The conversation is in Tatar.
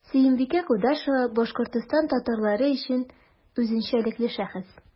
Сөембикә Кудашева – Башкортстан татарлары тарихы өчен үзенчәлекле шәхес.